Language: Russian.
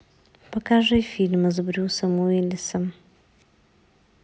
покажи фильмы с брюсом уиллисом